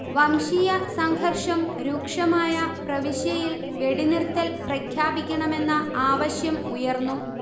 വംശീയ സംഘർഷം രൂക്ഷമായ പ്രവിശ്യയിൽ വെടി നിർത്തൽ പ്രഖ്യാപിക്കണമെന്ന ആവശ്യം ഉയർന്നു